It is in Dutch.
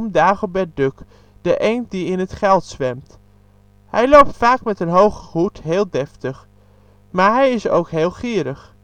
Dagobert Duck: de eend die in het geld zwemt. Hij loopt vaak met een hoge hoed, heel deftig. Maar hij is ook heel gierig